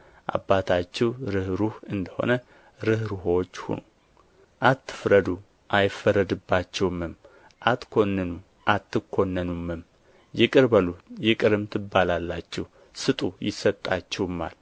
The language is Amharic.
አባታችሁ ርኅሩኅ እንደ ሆነ ርኅሩኆች ሁኑ አትፍረዱ አይፈረድባችሁምም አትኰንኑ አትኰነኑምም ይቅር በሉ ይቅርም ትባላላችሁ ስጡ ይሰጣችሁማል